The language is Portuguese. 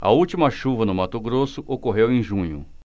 a última chuva no mato grosso ocorreu em junho